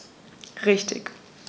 Richtig